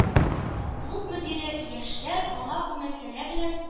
Клуб мөдире, яшьләр аңа бу мәсьәлә белән